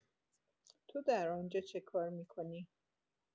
تو در آن‌جا چه‌کار می‌کنی؟!